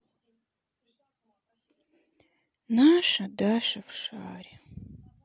наша даша в шаре